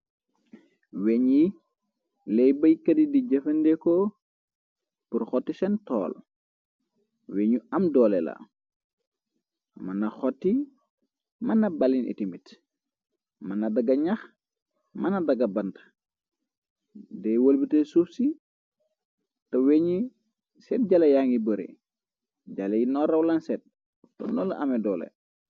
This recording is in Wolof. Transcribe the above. Weñ yi leey bëy kati di jëfandeko bur xoti seen tool weñu am doole la mëna xoti mëna ballin iti mit mëna daga ñax mëna daga bante de wëlbi te suuf si te weñi seet jala yaa ngi bare jale y noorawlaanseet noolu la ame doole.